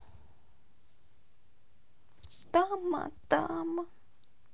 тама тама